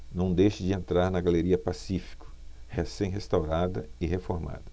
não deixe de entrar na galeria pacífico recém restaurada e reformada